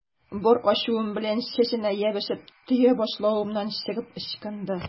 Бар ачуым белән чәченә ябышып, төя башлавыма чыгып ычкынды.